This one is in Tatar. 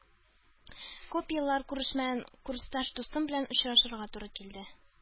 Күп еллар күрешмәгән курсташ дустым белән очрашырга туры килде